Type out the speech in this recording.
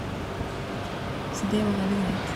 Så det var veldig greit.